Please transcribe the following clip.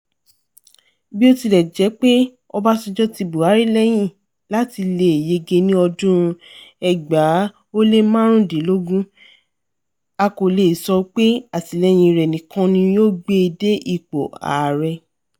Bí ó ti lẹ̀ jé pé Ọbásanjọ́ ti Buhari lẹ́yìn láti leè yege ní ọdún 2015, a kò leè sọ pé àtìlẹyìn rẹ̀ nìkan ni ó gbé e dé ipò Ààrẹ.